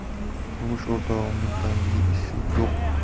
turmush o'rtog'imning tayinli ishi